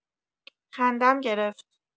خندم گرفت.